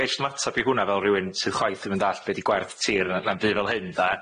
Gesh i'm ateb i hwnna fel rywun sydd chwaith 'im yn dalld be' di gwerth tir na na'm by' fel hyn de?